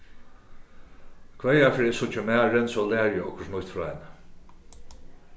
hvørja ferð eg síggi marin so læri eg okkurt nýtt frá henni